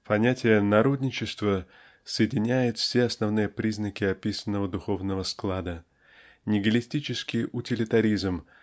Понятие "народничества" соединяет все основные признаки описанного духовного склада--нигилистический утилитаризм